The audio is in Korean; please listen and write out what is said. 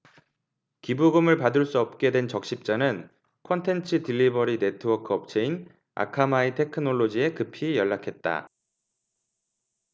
기부금을 받을 수 없게 된 적십자는 콘텐츠 딜리버리 네트워크 업체인 아카마이 테크놀로지에 급히 연락했다